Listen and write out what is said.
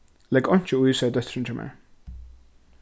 legg einki í segði dóttirin hjá mær